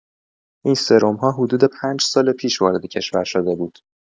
این سرم‌ها حدود پنج سال پیش وارد کشور شده بود.